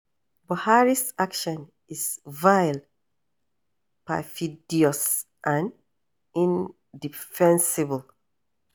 Buhari’s action is vile, perfidious and indefensible.